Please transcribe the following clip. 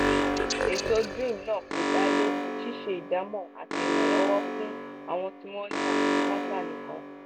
ètò DREAM náà kò dá lé ṣíṣe ìdámọ̀ àti ìrànlọ́wọ́ fún àwọn tí wọ́n ní àrùn KASA nìkan.